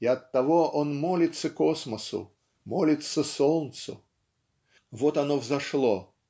и оттого он молится космосу молится солнцу. Вот оно взошло